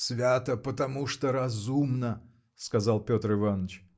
– Свято, потому что разумно, – сказал Петр Иваныч.